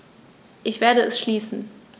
Ich werde es schließen.